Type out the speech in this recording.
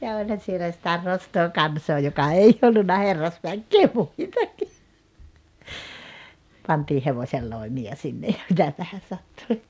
ja olihan siellä sitä nostoa kansaa joka ei ollut herrasväkeä muitakin pantiin hevosenloimia sinne ja mitäpähän sattui